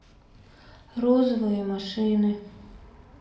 розовые машины